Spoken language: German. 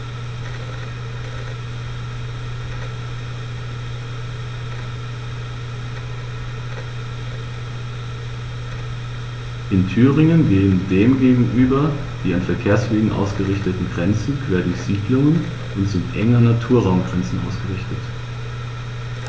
In Thüringen gehen dem gegenüber die an Verkehrswegen ausgerichteten Grenzen quer durch Siedlungen und sind eng an Naturraumgrenzen ausgerichtet.